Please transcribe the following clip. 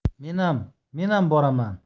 menam menam boraman